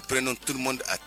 Prenons tout le monde à